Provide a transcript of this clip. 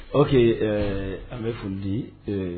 Ɔ que ɛɛ an bɛ foli eee